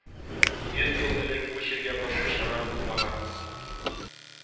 Йөз ел элек бу чиргә каршы чара булмаган